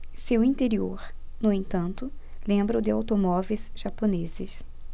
seu interior no entanto lembra o de automóveis japoneses